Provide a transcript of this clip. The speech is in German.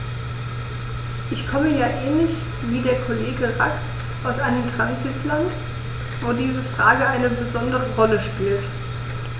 Ich komme ja ähnlich wie der Kollege Rack aus einem Transitland, wo diese Frage eine besondere Rolle spielt.